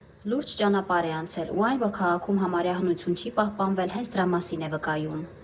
Լուրջ ճանապարհ է անցել ու այն, որ քաղաքում համարյա հնություն չի պահպանվել հենց դրա մասին է վկայում։